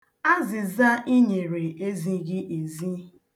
Azịza i nyere ezighị ezi.